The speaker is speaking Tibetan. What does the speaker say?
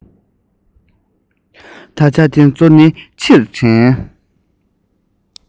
ད ཆ དེ ཚོ ནི ཕྱིར དྲན